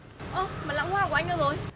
ơ mà lẵng hoa của anh đâu rồi